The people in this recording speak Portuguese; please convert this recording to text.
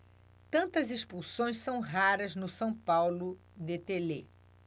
tantas expulsões são raras no são paulo de telê